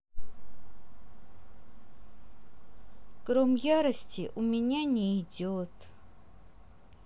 гром ярости у меня не идет